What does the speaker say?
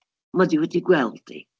Mod i wedi gweld hi.